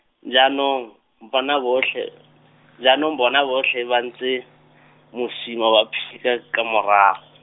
jaanong, bona botlhe, jaanong bona botlhe ba ntse, mosima wa phika ka morago.